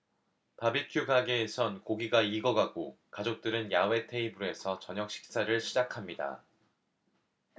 바비큐 기계에선 고기가 익어가고 가족들은 야외 테이블에서 저녁식사를 시작합니다